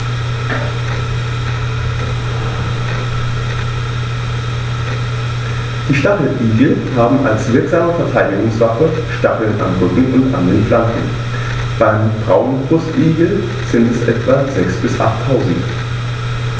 Die Stacheligel haben als wirksame Verteidigungswaffe Stacheln am Rücken und an den Flanken (beim Braunbrustigel sind es etwa sechs- bis achttausend).